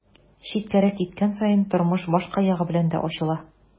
Читкәрәк киткән саен тормыш башка ягы белән дә ачыла.